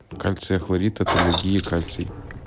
кальция хлорид от аллергии кальций